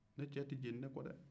ne cɛ tɛ jeni ne kɔ dɛɛ